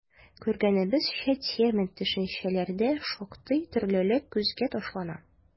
Күргәнебезчә, термин-төшенчәләрдә шактый төрлелек күзгә ташлана.